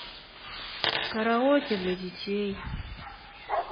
караоке для детей